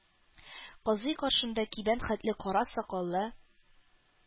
Казый, каршында кибән хәтле кара сакаллы